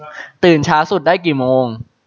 ตื่นช้าสุดได้กี่โมง